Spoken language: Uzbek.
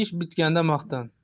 ish bitganda maqtan